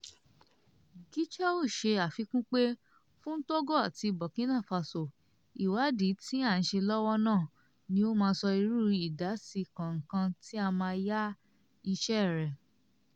Gicheru ṣe àfikún pé, " Fún Togo àti Burkina Faso, ìwádìí tí à ń ṣe lọ́wọ́ náà ni ó máa sọ irú ìdásí kankan tí a máa ya iṣẹ́ rẹ̀".